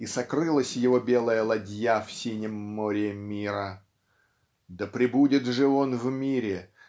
и сокрылась его белая ладья в синем море мира да пребудет же он в мире